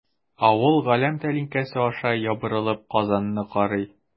Авыл галәм тәлинкәсе аша ябырылып Казанны карый.